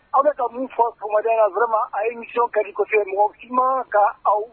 Aw bɛ ka mun fɔ bamakɔdenya la yɔrɔma a yew ka kɔfɛ mɔgɔ j ka aw